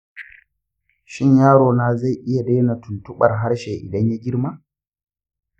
shin yarona zai iya daina tuntuɓar harshe idan ya girma?